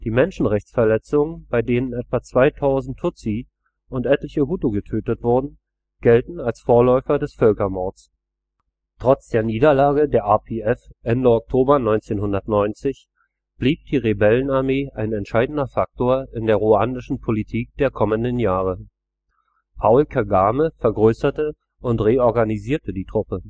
Menschenrechtsverletzungen, bei denen etwa 2000 Tutsi und etliche Hutu getötet wurden, gelten als Vorläufer des Völkermords. Trotz der Niederlage der RPF Ende Oktober 1990 blieb die Rebellenarmee ein entscheidender Faktor in der ruandischen Politik der kommenden Jahre. Paul Kagame vergrößerte und reorganisierte die Truppe